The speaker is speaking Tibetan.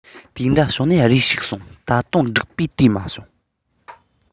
དེ འདྲ བྱུང ནས རེ ཞིག སོང ད དུང འགྲིག པའི དུས མ བྱུང